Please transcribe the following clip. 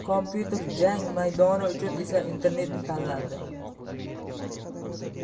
kompyuter jang maydoni uchun esa internet tanlandi